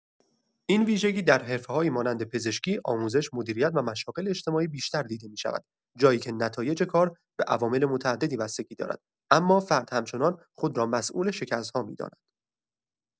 این ویژگی در حرفه‌هایی مانند پزشکی، آموزش، مدیریت و مشاغل اجتماعی بیشتر دیده می‌شود، جایی که نتایج کار به عوامل متعددی بستگی دارد، اما فرد همچنان خود را مسئول شکست‌ها می‌داند.